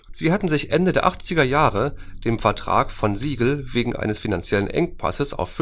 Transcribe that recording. Sie hatten sich Ende der 80er Jahre dem Verlag von Siegel wegen eines finanziellen Engpasses auf